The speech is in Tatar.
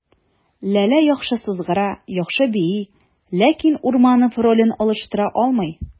Ләлә яхшы сызгыра, яхшы бии, ләкин Урманов ролен алыштыра алмый.